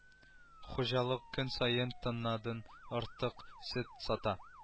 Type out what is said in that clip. Хуҗалык көн саен тоннадан артык сөт сата